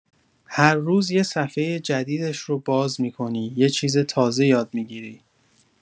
هر روز یه صفحه جدیدش رو باز می‌کنی، یه چیز تازه یاد می‌گیری.